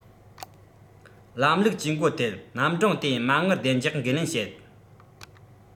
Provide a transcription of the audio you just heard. ལམ ལུགས ཇུས འགོད ཐད རྣམ གྲངས དེའི མ དངུལ བདེ འཇགས འགན ལེན བྱེད